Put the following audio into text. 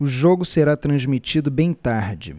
o jogo será transmitido bem tarde